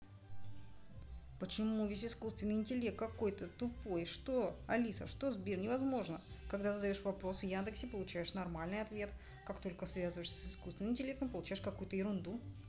почему весь искусственный интеллект такой тупой что алиса что сбер невозможно когда задаешь вопрос в яндексе получаешь нормальный ответ как только связываешься с искусственным интеллектом получаешь какую то ерунду